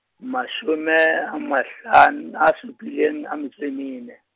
mashome a mahlan- a supileng a metso e mene.